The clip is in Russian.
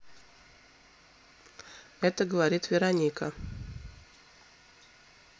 это говорит вероника